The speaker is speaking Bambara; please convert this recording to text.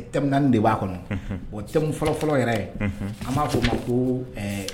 In de b'a kɔnɔ o fɔlɔ fɔlɔ yɛrɛ ye an b'a f' o ma ko